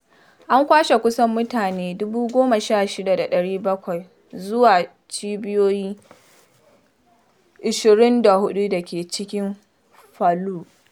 An kwashe kusan mutane 16,700 zuwa cibiyoyi 24 da ke cikin Palu.